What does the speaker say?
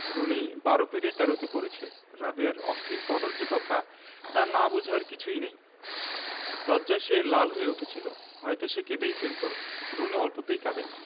রুনু বারো পেরিয়ে তেরোতে পড়েছে রাবেয়ার অশ্লীল কদৰ্য কথা তার না বুঝার কিছুই নেই লজ্জায় সে লাল হয়ে উঠেছিলো হয়তো সে কেঁদেই ফেলতো রুনু অল্পতেই কাঁদে